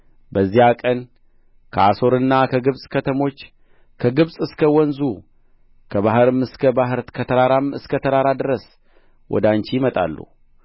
በዚያ ቀን ድንበርሽ ትስፋፋለች በዚያ ቀን ከአሦርና ከግብጽ ከተሞች ከግብጽ እስከ ወንዙ ከባሕርም እስከ ባሕር ከተራራም እስከ ተራራ ድረስ ወደ አንቺ ይመጣሉ